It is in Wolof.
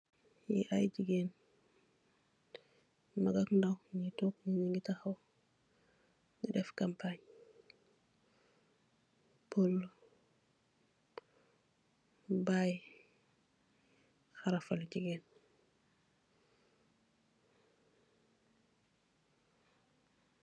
Nyii ay jigain, magak ndaw, nyii tork, nyii nyingi takhaw, di def kampange, pur baayi, kharafal jigain.